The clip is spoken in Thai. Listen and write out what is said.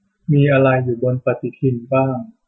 มีอะไรอยู่บนปฎิทินบ้าง